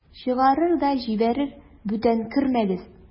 Чыгарыр да җибәрер: "Бүтән кермәгез!"